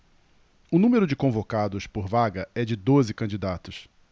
o número de convocados por vaga é de doze candidatos